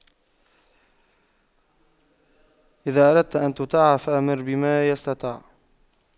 إذا أردت أن تطاع فأمر بما يستطاع